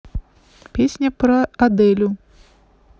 песня про аделю